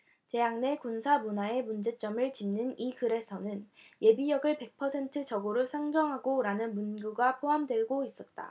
대학 내 군사 문화의 문제점을 짚는 이 글에는 예비역을 백 퍼센트 적으로 상정하고라는 문구가 포함돼 있었다